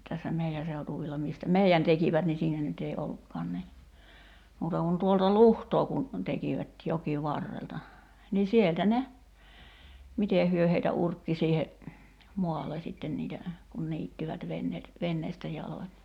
tässä meidän seutuvilla mistä meidän tekivät niin siinä nyt ei ollutkaan niin muuta kuin tuolta luhtaa kun tekivät jokivarrelta niin sieltä ne miten he heitä urkki siihen maalle sitten niitä kun niittivät veneet veneestä jaloin